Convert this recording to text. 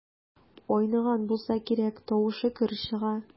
Айныган булса кирәк, тавышы көр чыга.